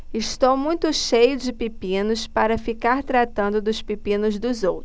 estou muito cheio de pepinos para ficar tratando dos pepinos dos outros